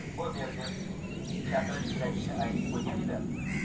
ober deb chaqirish kerakligini aytib qo'ygan edi